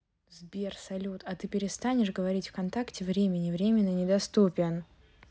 сбер салют а ты перестанешь говорить в контакте времени временно недоступен